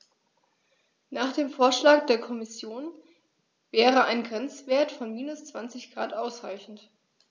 Nach dem Vorschlag der Kommission wäre ein Grenzwert von -20 ºC ausreichend.